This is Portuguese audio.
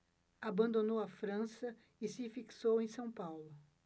abandonou a frança e se fixou em são paulo